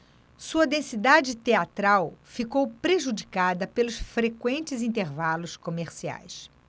sua densidade teatral ficou prejudicada pelos frequentes intervalos comerciais